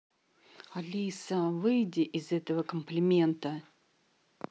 алиса выйди из этого комплимента